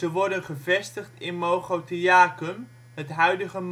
worden gevestigd in Mogontiacum (huidige